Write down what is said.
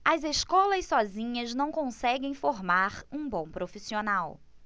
as escolas sozinhas não conseguem formar um bom profissional